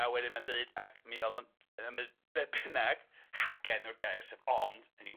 A wedyn mae'n deud ag mi o'dd o'n yy medd- be' bynnag hagen yw'r gair sef ond hynny yw